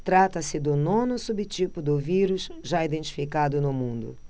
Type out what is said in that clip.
trata-se do nono subtipo do vírus já identificado no mundo